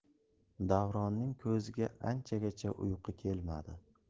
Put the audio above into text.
davronning ko'ziga anchagacha uyqu kelmadi